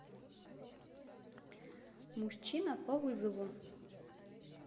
мужчина по вызову